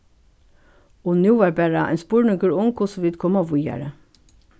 og nú var bara ein spurningur um hvussu vit koma víðari